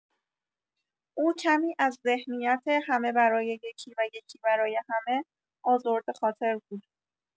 او کمی از ذهنیت همه برای یکی و یکی برای همه آزرده‌خاطر بود.